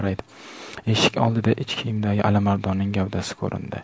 eshik oldida ich kiyimdagi alimardonning gavdasi ko'rindi